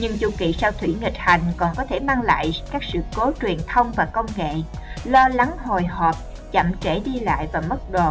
nhưng chu kỳ sao thủy nghịch hành còn có thể mang lại các sự cố truyền thông và công nghệ lo lắng hồi hộp chậm trễ đi lại và mất đồ